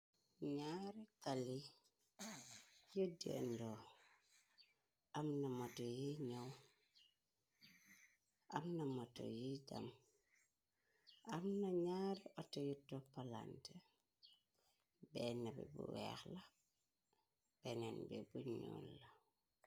Nyari tali yeddeendo amna mato y ñow amna mato yiy dem amna ñaari ato yi toppalant benn bi bu weexla beneen bi bu ñyool la.